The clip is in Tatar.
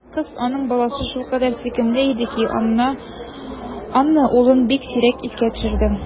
Кыз, аның баласы, шулкадәр сөйкемле иде ки, Анна улын бик сирәк искә төшерде.